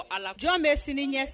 Allah jɔn bɛ sini ɲɛ sigi?